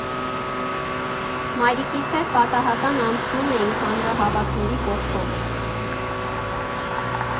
Մայրիկիս հետ պատահական անցնում էինք հանրահավաքների կողքով։